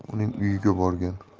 qilib uning uyiga borgan